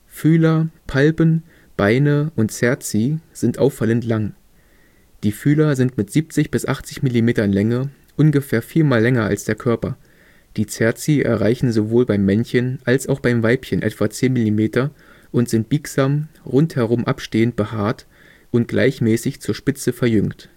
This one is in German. Fühler, Palpen, Beine und Cerci sind auffallend lang. Die Fühler sind mit 70 bis 80 Millimetern Länge ungefähr viermal länger als der Körper, die Cerci erreichen sowohl beim Männchen als auch beim Weibchen etwa 10 Millimeter und sind biegsam, rundherum abstehend behaart und gleichmäßig zur Spitze verjüngt